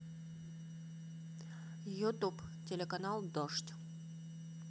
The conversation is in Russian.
ютуб телеканал дождь